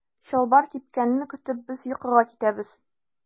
Чалбар кипкәнне көтеп без йокыга китәбез.